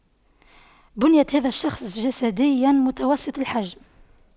بنية هذا الشخص جسديا متوسط الحجم